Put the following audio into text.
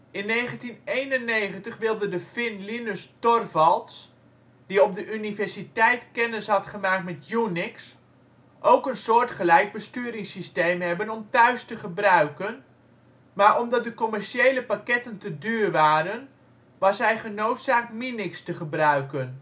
In 1991 wilde de Fin Linus Torvalds, die op de universiteit kennis had gemaakt met Unix, ook een soortgelijk besturingssysteem hebben om thuis te gebruiken, maar omdat de commerciële pakketten te duur waren, was hij genoodzaakt Minix te gebruiken